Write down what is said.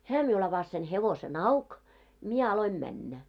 hän minulle avasi sen hevosen auki minä aloin mennä